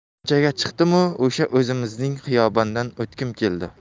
ko'chaga chiqdimu o'sha o'zimizning xiyobondan o'tgim keldi